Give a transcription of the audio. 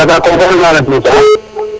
*